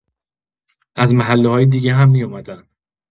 از محله‌های دیگه هم می‌اومدن.